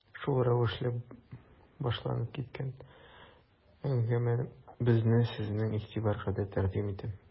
Шул рәвешле башланып киткән әңгәмәбезне сезнең игътибарга да тәкъдим итәм.